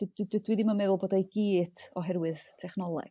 d- d- d- dwi ddim yn meddwl bod e i gyd oherwydd technoleg.